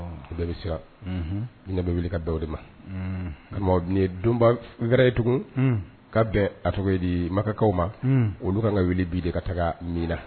U bɛɛ bɛ siran bɛ wuli ka da de ma nin ye donba wɛrɛɛrɛ ye tugun ka bɛn at di makaw ma olu kan ka wuli bi de ka taga min na